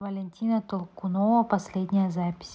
валентина толкунова последняя запись